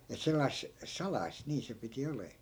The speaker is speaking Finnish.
että sellaista salaista niin se piti oleman